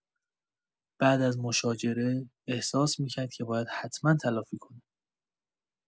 بعد از مشاجره، احساس می‌کرد که باید حتما تلافی کنه.